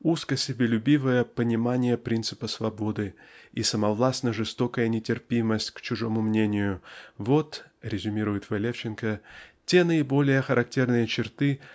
узко себялюбивое понимание принципа свободы и самовластно-жестокая нетерпимость к чужому мнению -- вот -- резюмирует В. Левченко -- те наиболее характерные черты